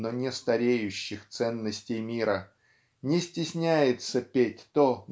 но не стареющих ценностей мира не стесняется петь то